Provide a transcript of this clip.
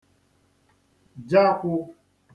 jakwụ̄